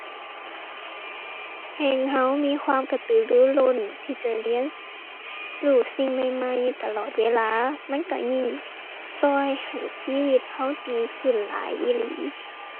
แฮ่งเรามีความกระตือรือร้นที่จะเรียนรู้สิ่งใหม่ใหม่ตลอดเวลา มันเรายิ่งเราให้ชีวิตเราดีขึ้นหลายอีหลี